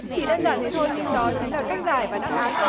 chỉ đơn giản thế thôi nhưng đó chính là cách giải và đáp án của